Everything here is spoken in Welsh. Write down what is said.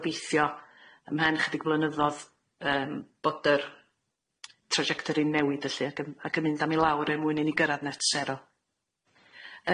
gobeithio ym mhench ychydig blynyddodd yym bod yr trajectori'n newid felly ag yn ag yn mynd am i lawr er mwyn i ni gyrradd net sero.